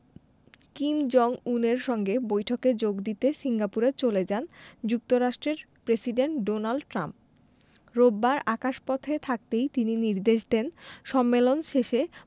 Kim Jong উনের সঙ্গে বৈঠকে যোগ দিতে সিঙ্গাপুরে চলে যান যুক্তরাষ্ট্রের প্রেসিডেন্ট ডোনাল্ড ট্রাম্প রোববার আকাশপথে থাকতেই তিনি নির্দেশ দেন সম্মেলন শেষে